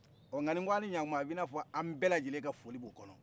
nka nin k'aw ni ɲakuma a b'i nafɔ an bɛ lajɛle ka foli bo kɔnɔ